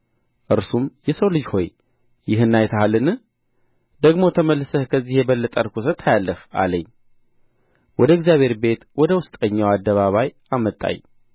እርሱም የሰው ልጅ ሆይ ይህን አይተሃልን ደግሞ ተመልሰህ ከዚህ የበለጠ ርኵሰት ታያለህ አለኝ ወደ እግዚአብሔር ቤት ወደ ውስጠኛው አደባባይ አመጣኝ